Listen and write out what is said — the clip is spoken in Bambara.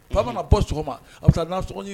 Ba ka bɔ sɔgɔma a bɛ